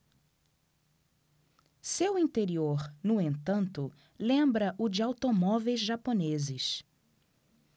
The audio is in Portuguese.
seu interior no entanto lembra o de automóveis japoneses